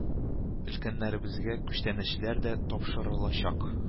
Өлкәннәребезгә күчтәнәчләр дә тапшырылачак